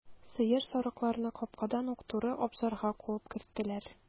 Сыер, сарыкларны капкадан ук туры абзарга куып керттеләр.